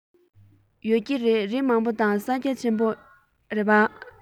ཡོད ཀྱི རེད རི མང པོ དང ས རྒྱ ཆེན པོ རེད པ